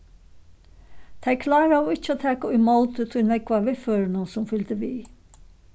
tey kláraðu ikki at taka ímóti tí nógva viðførinum sum fylgdi við